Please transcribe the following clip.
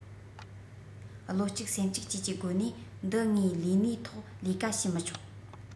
བློ གཅིག སེམས གཅིག བཅས ཀྱི སྒོ ནས འདི ངས ལས གནས ཐོག ལས ཀ བྱས མི ཆོག